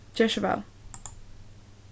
ger so væl